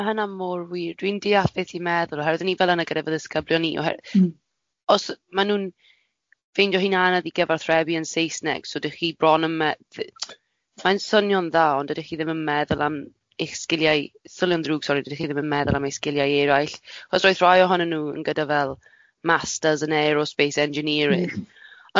Ma' hynna mor wir. Dwi'n diall beth i'n meddwl oherwydd o'n i fel yna gyda fy ddisgyblion i oher- M-hm. Os ma' nhw'n findio hi'n anedd i gyfathrebu yn Saesneg so dych chi bron yn me- mae'n swnio'n dda ond dydych chi ddim yn meddwl am eich sgiliau sylw yn ddrwg sori dydych chi ddim yn meddwl am eich sgiliau eraill, achos roedd rhai ohonyn nhw yn gyda fel masters yn aerospace engineering... Mm.